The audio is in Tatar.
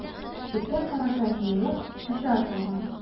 Иргә карата җинаять эше ачылган.